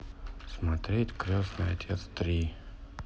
смотреть крестный отец три